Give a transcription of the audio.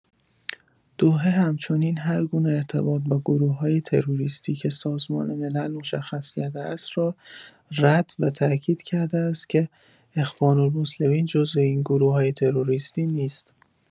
دوحه همچنین هرگونه ارتباط با گروه‌های تروریستی که سازمان ملل مشخص کرده است، را رد و تاکید کرده است که اخوان‌المسلمین جزء این گروه‌های تروریستی نیست.